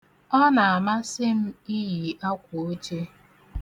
Ọ na-amasị m iyi akwooche.